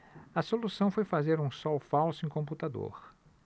a solução foi fazer um sol falso em computador